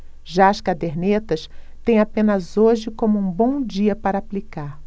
já as cadernetas têm apenas hoje como um bom dia para aplicar